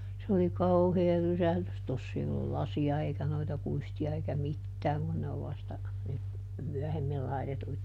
se oli kauhea rysähdys tuossa ei ollut lasia eikä noita kuistia eikä mitään kun ne on vasta nyt myöhemmin laitettuja